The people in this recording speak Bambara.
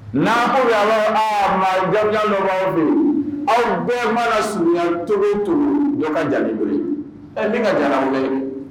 Na ko yala ma don aw bɛɛ manaurunya to tu dɔka jaabi bolo denkɛ ka diyara filɛ ye